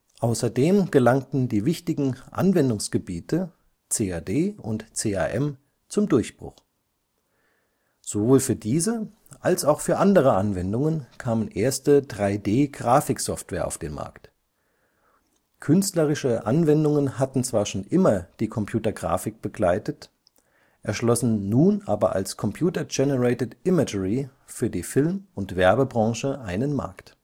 Außerdem gelangten die wichtigen Anwendungsgebiete CAD und CAM zum Durchbruch. Sowohl für diese als auch für andere Anwendungen kamen erste 3D-Grafiksoftware auf den Markt. Künstlerische Anwendungen hatten zwar schon immer die Computergrafik begleitet, erschlossen nun aber als Computer Generated Imagery für die Film - und Werbebranche einen Markt